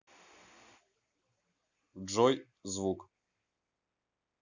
джой звук